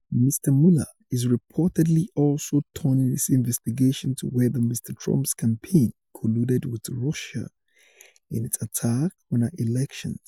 Mr. Mueller is reportedly also turning his investigation to whether Mr. Trump's campaign colluded with Russia in its attack on our elections.